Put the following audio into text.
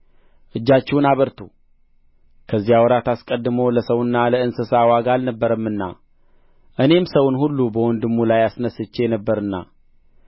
እጃችሁን አበርቱ ከዚያ ወራት አስቀድሞ ለሰውና ለእንስሳ ዋጋ አልነበረምና እኔም ሰውን ሁሉ በወንድሙ ላይ አስነሥቼ ነበርና